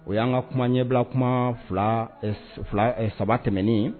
O y'an ka kuma ye bila kuma fila fila saba tɛmɛnen